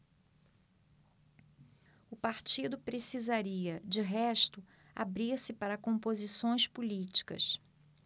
o partido precisaria de resto abrir-se para composições políticas